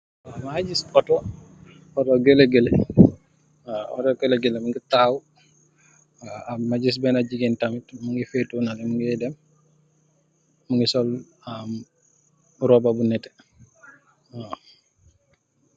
Ma ngi gis Otto, Otto gelegele mu ngi taxaw, ma gis benna gigeen tamid mu fettu naleh mugeh dem, mugii sol róbba bu neteh.